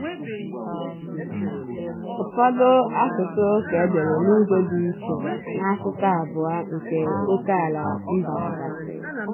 Ụfọdụ asụsụ ka edere n’ụzọ dị iche n’akụkụ abụọ nke ókèala mba gasị.